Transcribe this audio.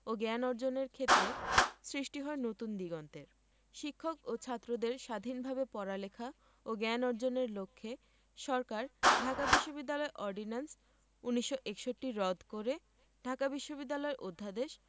ও জ্ঞান অর্জনের ক্ষেত্রে সৃষ্টি হয় নতুন দিগন্তের শিক্ষক ও ছাত্রদের স্বাধীনভাবে পড়ালেখা ও জ্ঞান অর্জনের লক্ষ্যে সরকার ঢাকা বিশ্ববিদ্যালয় অর্ডিন্যান্স ১৯৬১ রদ করে ঢাকা বিশ্ববিদ্যালয় অধ্যাদেশ